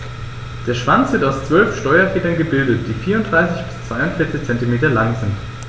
Der Schwanz wird aus 12 Steuerfedern gebildet, die 34 bis 42 cm lang sind.